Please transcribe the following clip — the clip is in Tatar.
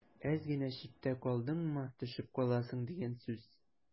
Әз генә читтә калдыңмы – төшеп каласың дигән сүз.